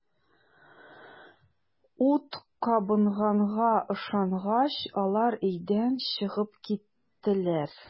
Ут кабынганга ышангач, алар өйдән чыгып киттеләр.